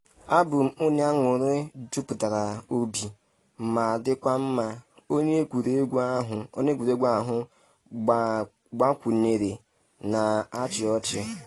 A bụ m onye anụrị juputara obi ma dịkwa mma,” onye egwuregwu ahụ gbakwunyere, na-achị ọchị.